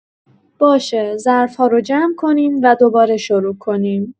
باشه، ظرف‌ها رو جمع کنیم و دوباره شروع کنیم.